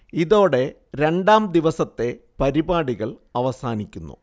ഇതോടെ രണ്ടാം ദിവസത്തെ പരിപാടികള്‍ അവസാനിക്കുന്നു